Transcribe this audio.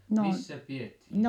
missä pidettiin